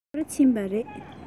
ག པར ཕྱིན པ རེད